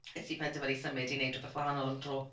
Wnes i penderfynu symud i wneud rywbeth wahanol am dro.